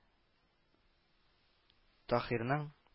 Таһирның